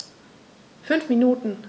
5 Minuten